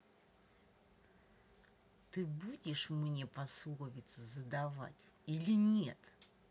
ты будешь мне пословиться задавать или нет